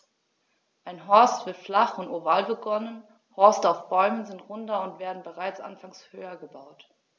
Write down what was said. Ein Horst wird flach und oval begonnen, Horste auf Bäumen sind runder und werden bereits anfangs höher gebaut.